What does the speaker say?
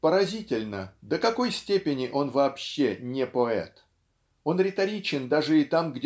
Поразительно, до какой степени он вообще не поэт. Он риторичен даже и там